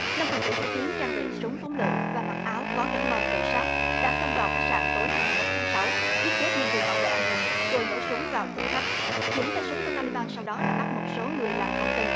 năm phần tử chủ chiến trang bị súng phóng lựu và mặc áo có gắn bom tự sát đã xông vào khách sạn tối hai mươi mốt tháng sáu giết chết nhân viên bảo vệ an ninh rồi nổ súng vào thực khách những tay súng của ta li ban sau đó đã bắt một số người làm con tin